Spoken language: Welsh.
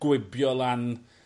gwibio lan